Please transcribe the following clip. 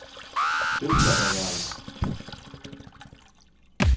búskaparráðið